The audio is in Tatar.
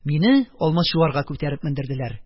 Мине Алмачуарга күтәреп мендерделәр,